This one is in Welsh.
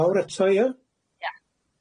Lawr eto ia?